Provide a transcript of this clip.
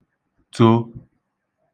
to